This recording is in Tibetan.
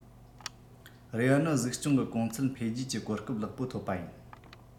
རེ བ ནི གཟིགས སྐྱོང གི གོང ཚད འཕེལ རྒྱས ཀྱི གོ སྐབས ལེགས པོ ཐོབ པ ཡིན